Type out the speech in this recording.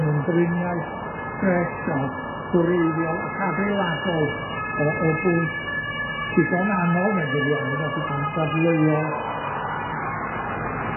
hwn yn ymdriniaeth ffres a gwreiddiol ac adeiladol yy o bwnc digon anodd mewn gwirionedd a digon dadleuol.